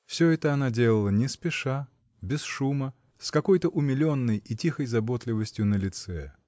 Все это она делала не спеша, без шума, с какой-то умиленной и тихой заботливостью на лице.